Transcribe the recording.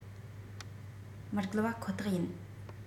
མི བརྒལ བ ཁོ ཐག ཡིན